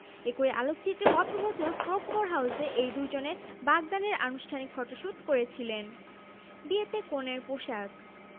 Westwood company গত শতকের আশির দশক থেকে এই প্রকাশক প্রতিষ্ঠানটি রাজপরিবারের বিভিন্ন অনুষ্ঠানের আমন্ত্রণপত্র তৈরির সঙ্গে যুক্ত রাজকীয় বিয়ের নিরাপত্তা